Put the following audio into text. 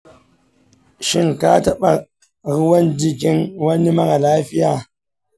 shin ka taɓa ruwan jikin wani mara lafiya?